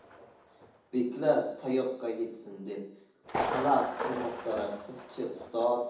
beklar yasoqqa yetsin deb talab qilmoqdalar siz chi ustod